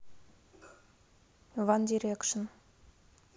ван дирекшн